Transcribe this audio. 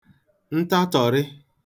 ntatọ̀rị